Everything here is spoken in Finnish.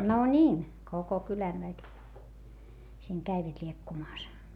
no niin koko kylän väki siinä kävivät liekkumassa